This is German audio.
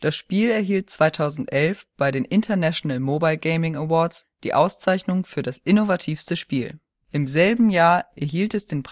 Spiel erhielt 2011 bei den International Mobile Gaming Awards die Auszeichnung für das innovativste Spiel. Bei den